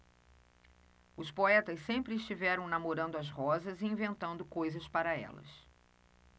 os poetas sempre estiveram namorando as rosas e inventando coisas para elas